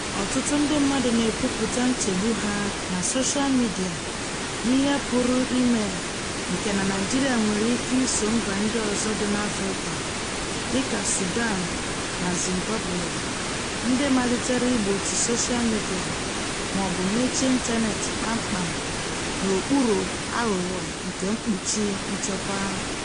Ọtụtụ ndị mmadụ na-ekwupụta nchegbu ha na soshaa midịa n'ihe pụrụ ime nke na Naịjirịa nwere ike iso mba ndị ọzọ dị n'Afịrịka [dịka Sudan, Zimbabwe] ndị malitere igbochi soshaa midịa ma ọ bụ mechie ịntaneetị kpamkpam n'okpuru aghụghọ nke mkpuchi nchekwa.